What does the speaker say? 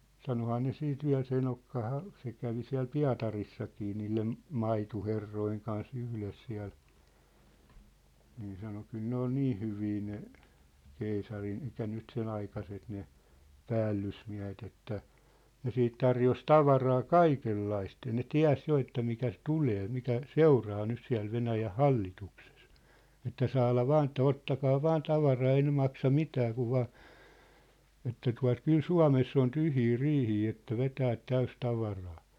sanoihan ne sitten vielä se enohan se kävi siellä Pietarissakin niiden maitoherrojen kanssa yhdessä siellä niin sanoi kyllä ne oli niin hyviä ne keisarin eli nyt sen aikaiset ne päällysmiehet että ne sitten tarjosi tavaraa kaikenlaista ja ne tiesi jo että mitä - tulee mitä seuraa nyt siellä Venäjän hallituksessa että saada vain että ottakaa vain tavaraa ei ne maksa mitään kun vain että tuota kyllä Suomessa on tyhjiä riihiä että vetää täysi tavaraa